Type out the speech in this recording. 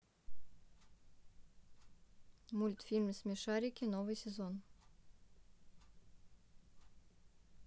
мультфильм смешарики новый сезон